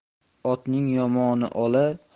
otning yomoni ola